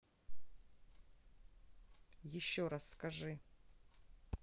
еще расскажи